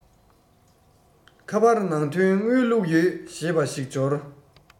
ཁ པར ནང དོན དངུལ བླུག ཡོད ཞེས པ ཞིག འབྱོར